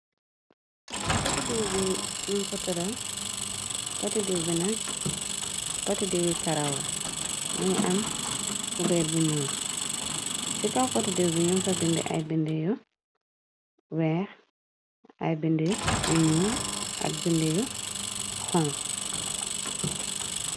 Potidiiw bi ñën ko toral, potte diiw binag, potti diir yi karawra, mëngi am ku beer bu ñuo, ci saw pottdiiw bi, ñu fa bind ay bind yu weex, ay bind yu ñu, ak binde yu xong.